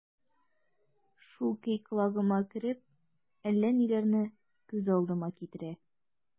Шул көй колагыма кереп, әллә ниләрне күз алдыма китерә...